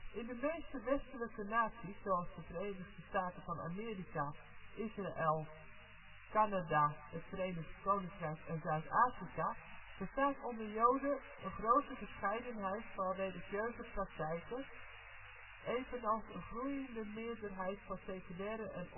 In de meeste westelijke naties, zoals de Verenigde Staten van Amerika, Israël, Canada, het Verenigd Koninkrijk en Zuid-Afrika, bestaat onder joden een grote verscheidenheid van religieuze praktijken, evenals een groeiende meerderheid van seculaire en